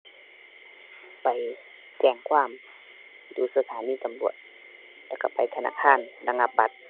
ไปแจ้งความอยู่สถานีตำรวจ แล้วก็ไปธนาคารระงับบัตร